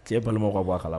Cɛ balima ka bɔ kala